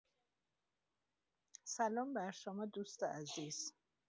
سلام بر شما دوست عزیز